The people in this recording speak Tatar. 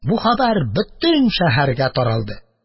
Бу хәбәр бөтен шәһәргә таралды.